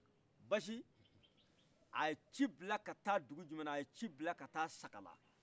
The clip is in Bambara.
basi a ye ci bila ka taa dugu jumɛnna a ye cila ka taa sakala